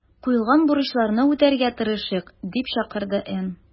Куелган бурычларны үтәргә тырышыйк”, - дип чакырды Н.